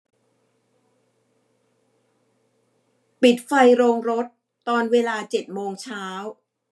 ปิดไฟโรงรถตอนเวลาเจ็ดโมงเช้า